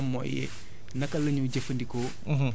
maanaam mooy naka la ñuy jëfandikoo